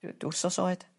d- dw' wsos oed.